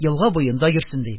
Елга буенда йөрсен, - ди.